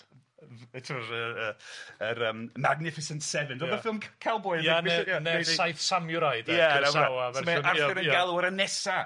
F- t'mod ry yy yr yym Magnificent Seven ffilm ca- cowboi ia neu neu ne'r saith Samurai de, Kurosawa ma'n ffilm ia ia. so mae Arthur yn galw ar un nesa.